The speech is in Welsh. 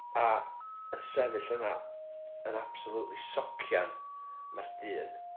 A yn sefyll yna yn absolutely socian mae'r dyn